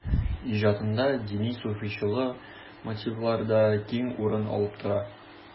Иҗатында дини-суфыйчыл мотивлар да киң урын алып тора.